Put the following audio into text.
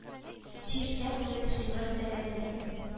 Чиртә бүген шигырь тәрәзәсен